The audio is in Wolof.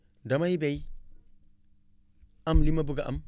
damay bay am li ma bëgg a am